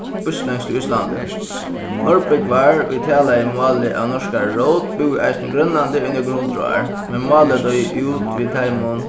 íslendskt í íslandi norðbúgvar ið talaðu málið av norskari rót búðu eisini í grønlandi í nøkur hundrað ár men málið doyði út við teimum